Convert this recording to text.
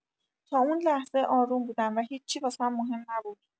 تا اون لحظه آروم بودم و هیچی واسم مهم نبود.